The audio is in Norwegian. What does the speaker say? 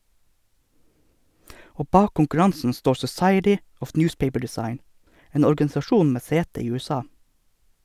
Og bak konkurransen står Society of Newspaper Design, en organisasjon med sete i USA.